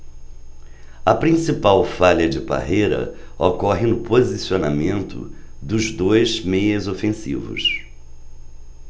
a principal falha de parreira ocorre no posicionamento dos dois meias ofensivos